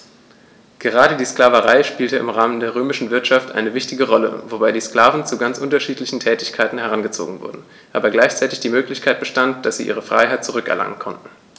Gerade die Sklaverei spielte im Rahmen der römischen Wirtschaft eine wichtige Rolle, wobei die Sklaven zu ganz unterschiedlichen Tätigkeiten herangezogen wurden, aber gleichzeitig die Möglichkeit bestand, dass sie ihre Freiheit zurück erlangen konnten.